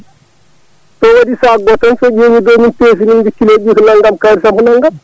so waɗi sac goto tan so ƴeewi taw min peesi min mbi kiloji ɗi ko naggam tan kalis tan ko naggam